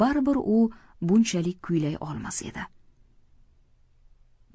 bari bir u bunchalik kuylay olmas edi